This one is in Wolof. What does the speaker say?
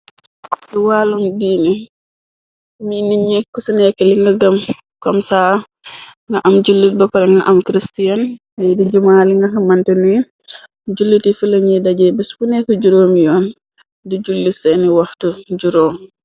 Lu wàllum diini mi ni ñekku ca nekke li nga gëm. Komsaa nga am jullit boppare na am christiene yi di jumaa. Li nga xamante ni julliti fi lañiy daje bes bu nekki juróomi yoon di julli seeni waxtu juróom.